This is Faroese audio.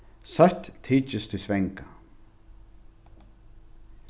søtt tykist tí svanga